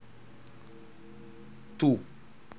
ту